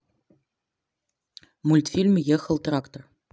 мультфильм ехал трактор